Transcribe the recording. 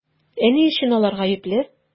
Ә ни өчен алар гаепле?